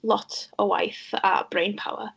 lot o waith a brainpower.